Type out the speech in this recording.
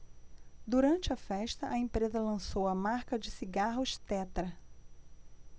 durante a festa a empresa lançou a marca de cigarros tetra